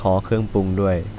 ขอเครื่องปรุงด้วย